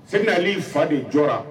Sɛkinɛ Ali fa de jɔra.